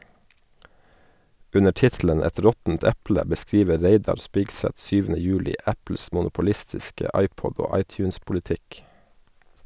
Under tittelen "Et råttent eple" beskriver Reidar Spigseth 7. juli Apples monopolistiske iPod- og iTunes-politikk.